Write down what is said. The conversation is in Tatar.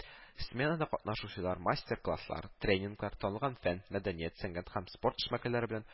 Сменада катнашучылар мастер-класслар, тренинглар, танылган фән, мәдәният, сәнгать һәм спорт эшлеклеләре белән